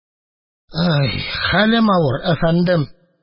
Хәлем авыр, әфәндем.